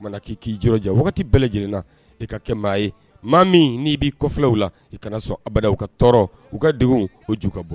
K'i k'i jɔ bɛɛ lajɛlenna i ka kɛ maa ye maa min n'i b'i kɔfilaww la i kana sɔn abadaw ka tɔɔrɔ u ka denw o jo ka bɔ